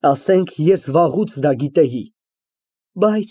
Ասենք, ես վաղուց գիտեի այդ։